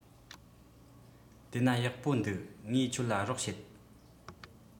དེ ན ཡག པོ འདུག ངས ཁྱོད ལ རོགས བྱེད